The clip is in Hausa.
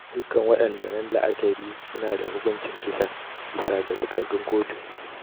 Dukkan waɗanda nan la'akari su na da hukuncin kisa, bisa ga takardun kotu.